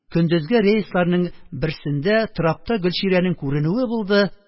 Көндезге рейсларның берсендә трапта гөлчирәнең күренүе булды